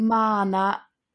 ma' 'na